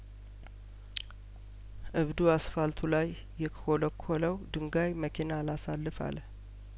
እብዱ አስፋልቱ ላይ የኰለኰለው ድንጋይ መኪና አላሳልፍ አለ